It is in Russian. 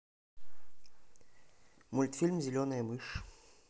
мультфильм зеленая мышь